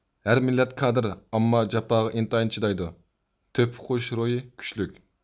ھەر مىللەت كادىر ئامما جاپاغا ئىنتايىن چىدايدۇ تۆھپە قوشۇش روھى كۈچلۈك